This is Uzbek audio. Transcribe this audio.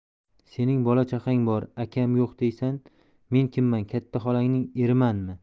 sening bola chaqang bor akam yo'q deysan men kimman katta xolangning erimanmi